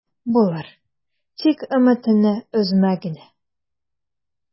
Булыр, тик өметеңне өзмә генә...